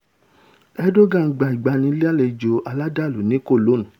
Erdogan gba ìgbanilálejò aládàlú ní Cologne